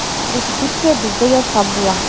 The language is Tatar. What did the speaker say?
Репетиция бездә ясап була.